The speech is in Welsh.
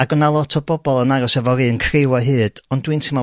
ag yna lot o bobol yn aros efo'r un criw o hyd ond dwi'n teimlo